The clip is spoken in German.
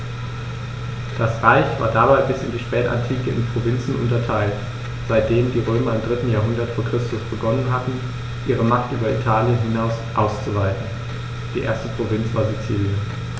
Das Reich war dabei bis in die Spätantike in Provinzen unterteilt, seitdem die Römer im 3. Jahrhundert vor Christus begonnen hatten, ihre Macht über Italien hinaus auszuweiten (die erste Provinz war Sizilien).